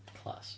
class